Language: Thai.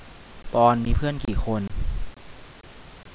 ปอนด์มีเพื่อนกี่คน